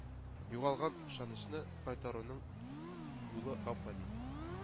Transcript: Югалган ышанычны кайтаруның юлы гап-гади: